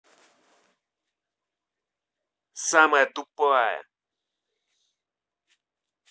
самая тупая